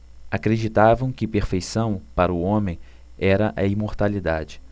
acreditavam que perfeição para o homem era a imortalidade